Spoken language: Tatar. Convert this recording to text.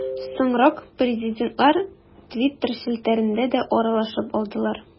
Соңрак президентлар Twitter челтәрендә дә аралашып алдылар.